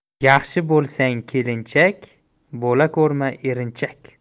yaxshi bo'lsang kelinchak bo'la ko'rma erinchak